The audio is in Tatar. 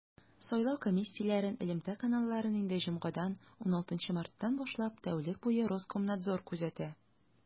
Сайлау комиссияләрен элемтә каналларын инде җомгадан, 16 марттан башлап, тәүлек буе Роскомнадзор күзәтә.